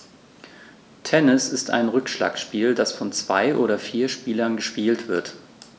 Tennis ist ein Rückschlagspiel, das von zwei oder vier Spielern gespielt wird.